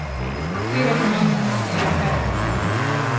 skriva til mannin at eg eri farin